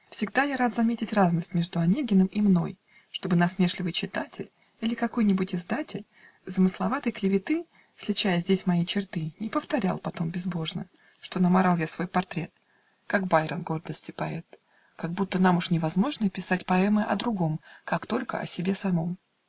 Всегда я рад заметить разность Между Онегиным и мной, Чтобы насмешливый читатель Или какой-нибудь издатель Замысловатой клеветы, Сличая здесь мои черты, Не повторял потом безбожно, Что намарал я свой портрет, Как Байрон, гордости поэт, Как будто нам уж невозможно Писать поэмы о другом, Как только о себе самом.